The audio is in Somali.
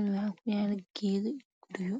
socdo